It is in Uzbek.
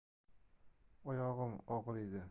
oyog'im og'riydi